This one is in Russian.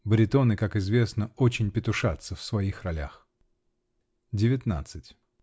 Баритоны, как известно, очень петушатся в своих ролях. Девятнадцать.